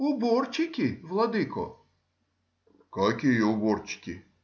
— Уборчики, владыко. — Какие уборчики?